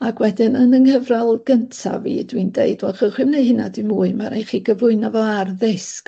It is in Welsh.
Ac wedyn, yn 'yng nghyfrol gynta fi, dwi'n deud, wel, chewch chi'm neu' hynna dim mwy, ma' rhai' chi gyflwyno fo ar ddisg.